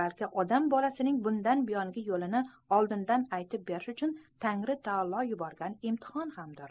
balki odam bolasining bundan buyongi yo'lini oldindan aytib berish uchun tangri taolo yuborgan imtihon hamdir